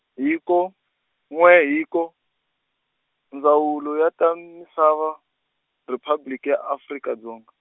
hiko, n'we hiko, Ndzawulo ya ta Misava, Ripabliki ya Afrika Dzonga.